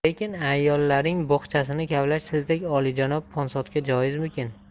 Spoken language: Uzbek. lekin ayollarning bo'xchasini kavlash sizdek olijanob ponsodga joizmikan